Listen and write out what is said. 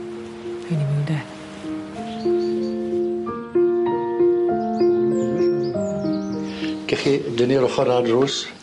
Rhai' ni mynd de. Gech chi dynnu'r ochor ar drws.